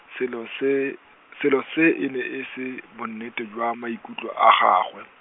selo se, selo se e ne e se, bonnete jwa maikutlo a gagwe.